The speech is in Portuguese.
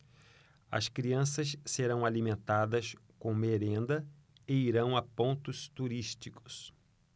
as crianças serão alimentadas com merenda e irão a pontos turísticos